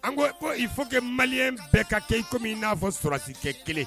An ko ko il faut que maliyɛn bɛɛ ka kɛ kɔmi in'a fɔ sɔrɔdasi kelen